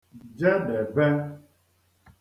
jedèbe